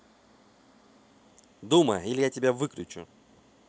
дума или я тебя выключу